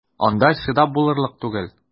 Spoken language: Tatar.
Анда чыдап булырлык түгел!